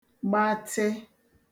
gbatị